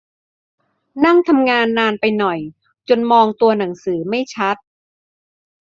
นั่งทำงานนานไปหน่อยจนมองตัวหนังสือไม่ชัด